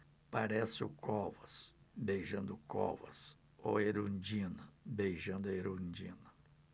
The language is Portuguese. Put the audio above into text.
parece o covas beijando o covas ou a erundina beijando a erundina